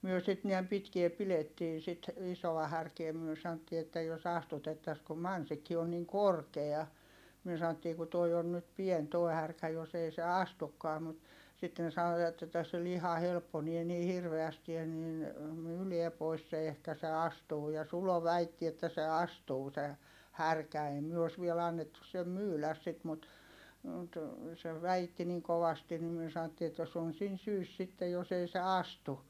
me sitten näin pitkään pidettiin sitä isoa härkää me sanottiin että jos astutettaisiin kun Mansikki on niin korkea me sanottiin kun tuo on nyt pieni tuo härkä jos ei se astukaan mutta sitten sanoivat että se liha helpponee niin hirveästi ja niin myytiin pois se ehkä se astuu ja Sulo väitti että se astuu se härkä ei me ole vielä annettu sen myydä sitä mutta mutta se väitti niin kovasti niin me sanottiin että se on sinun syysi sitten jos ei se astu